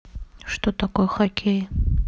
что такое хоккей